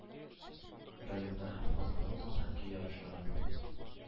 Районда һәм казанда узган хоккей ярышларын